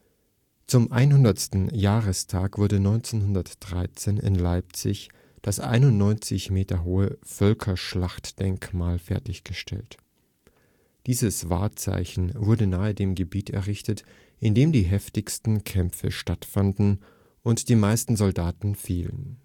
Zum einhundertsten Jahrestag wurde 1913 in Leipzig das 91 Meter hohe Völkerschlachtdenkmal fertiggestellt. Dieses Wahrzeichen wurde nahe dem Gebiet errichtet, in dem die heftigsten Kämpfe stattfanden und die meisten Soldaten fielen